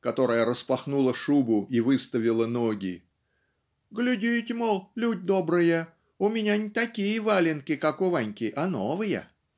которая распахнула шубу и выставила ноги "глядите мол люди добрые у меня не такие валенки как у Ваньки а новые".